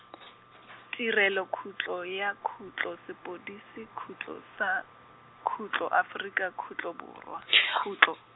Tirelo khutlo ya khutlo Sepodisi khutlo sa, khutlo Afrika khutlo Borwa, khutlo.